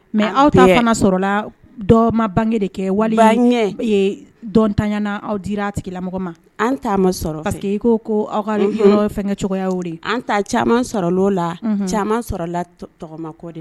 Mɛ aw t'a fana sɔrɔ la dɔma bange de kɛ waliya ɲɛ dɔntanyana aw dirra tigilamɔgɔ ma an taama ma sɔrɔ parce que i ko ko aw ka fɛn kɛ cogoya an ta caman sɔrɔ o la caman sɔrɔ lama kɔ de